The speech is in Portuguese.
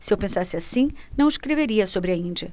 se eu pensasse assim não escreveria sobre a índia